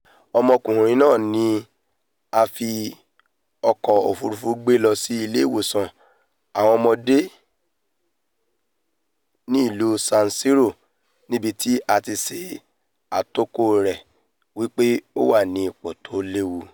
Ọmọkùnrin náà ni a fi ọkọ òfurufú gbé lọ sí Ilé-ìwòsàn Àwọn Ọmọdé ní ìlú San Diego níbití tí a ti ṣe àtòkọ rẹ̀ wípé ó wà ní ipò tó léwu.